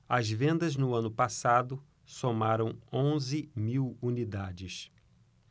as vendas no ano passado somaram onze mil unidades